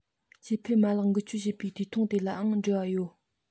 སྐྱེ འཕེལ མ ལག འགུལ སྐྱོད བྱས པའི དུས ཐུང དེ ལའང འབྲེལ བ ཡོད